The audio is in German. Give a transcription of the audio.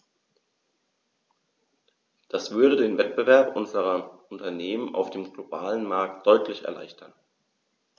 Das würde den Wettbewerb unserer Unternehmen auf dem globalen Markt deutlich erleichtern.